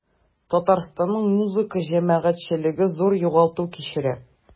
Татарстанның музыка җәмәгатьчелеге зур югалту кичерә.